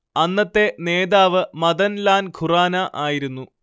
അന്നത്തെ നേതാവ് മദൻ ലാൽ ഖുറാന ആയിരുന്നു